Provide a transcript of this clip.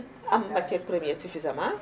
am matière première suffisament